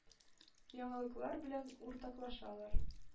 Яңалыклар белән уртаклашалар.